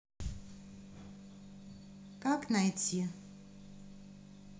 как найти